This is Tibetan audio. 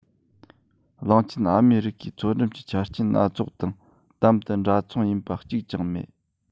གླིང ཆེན ཨ མེ རི ཁའི མཚོ འགྲམ གྱི ཆ རྐྱེན སྣ ཚོགས དང དམ དུ འདྲ མཚུངས ཡིན པ གཅིག ཀྱང མེད